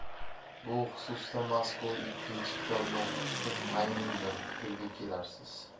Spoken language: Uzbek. bu xususda mazkur ikkinchi kitobni o'qib chiqib tayin bir fikrga kelarsiz